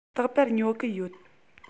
རྟག པར ཉོ གི ཡོད